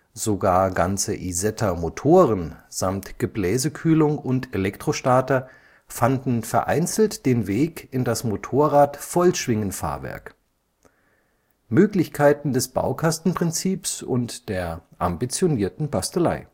Sogar ganze Isetta-Motoren samt Gebläsekühlung und Elektrostarter fanden vereinzelt den Weg in das Motorrad-Vollschwingenfahrwerk: Möglichkeiten des Baukastenprinzips und der ambitionierten Bastelei